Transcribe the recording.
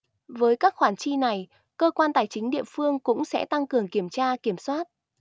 với các khoản chi này cơ quan tài chính địa phương cũng sẽ tăng cường kiểm tra kiểm soát